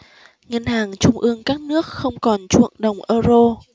ngân hàng trung ương các nước không còn chuộng đồng euro